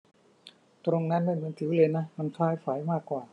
ตรงนั้นไม่เหมือนสิวเลยนะมันคล้ายไฝมากกว่า